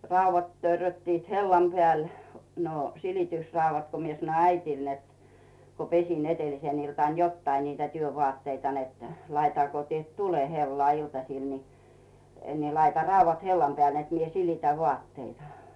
raudat törröttivät hellan päällä no silitysraudat kun minä sanoin äidille että kun pesin edellisenä iltana jotakin niitä työvaatteita että laita kun teet tulen hellaan iltasilla niin niin laita raudat hellan päälle että minä silitän vaatteita